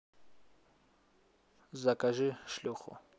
закажи шлюху